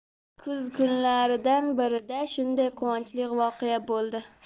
kuz kunlaridan birida shunday quvonchli voqea bo'ldi